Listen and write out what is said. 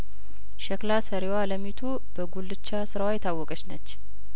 ሸክላ ሰሪዋ አለሚቱ በጉልቻ ስራዋ የታወቀችነች